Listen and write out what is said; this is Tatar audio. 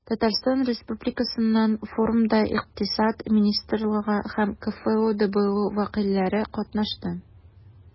Татарстан Республикасыннан форумда Икътисад министрлыгы һәм КФҮ ДБУ вәкилләре катнашты.